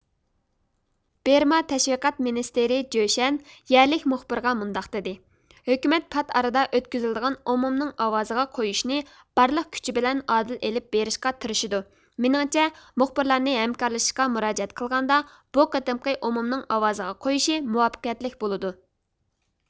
بىرما تەشۋىقات مىنىستىرى جۆشەن يەرلىك مۇخبىرغا مۇنداق دېدى ھۆكۈمەت پات ئارىدا ئۆتكۈزۈلىدىغان ئومۇمنىڭ ئاۋازىغا قويۇشىنى بارلىق كۈچى بىلەن ئادىل ئېلىپ بېرىشقا تىرىشىدۇ مېنىڭچە مۇخبىرلارنى ھەمكارلىشىشقا مۇراجىئەت قىلغاندا بۇ قېتىمقى ئومۇمنىڭ ئاۋازىغا قويۇشى مۇۋەپپەقىيەتلىك بولىدۇ